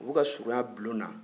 u bɛ ka surunya bulon na